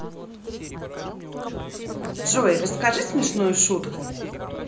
джой расскажи смешную шутку